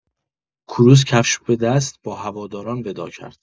کروس کفش به دست با هواداران وداع کرد.